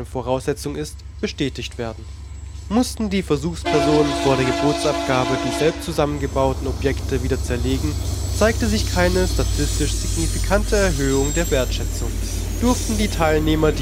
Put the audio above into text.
Voraussetzung sei, bestätigt werden: Mussten die Versuchspersonen vor der Gebotsabgabe die selbst zusammengebauten Objekte wieder zerlegen, zeigte sich keine statistisch signifikante Erhöhung der Wertschätzung. Durften die Teilnehmer